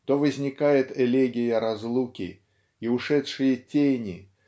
то возникает элегия разлуки и ушедшие тени